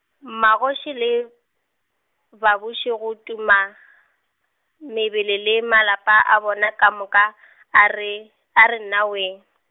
magoši le, babuši go tuma, mebele le malapa a bona ka moka , a re, a re nnawee .